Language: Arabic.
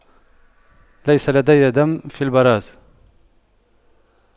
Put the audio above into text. ليس لدي دم في البراز